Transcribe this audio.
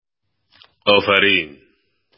Афәрин!